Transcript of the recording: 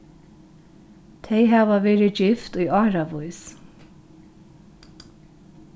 tey hava verið gift í áravís